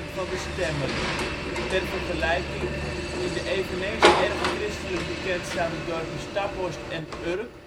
van de stemmen. (Ter vergelijking: in de eveneens als erg christelijk bekendstaande dorpen Staphorst en Urk